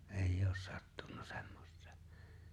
ei ole sattunut semmoisia